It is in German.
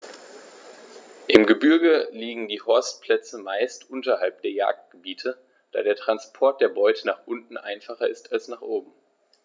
Im Gebirge liegen die Horstplätze meist unterhalb der Jagdgebiete, da der Transport der Beute nach unten einfacher ist als nach oben.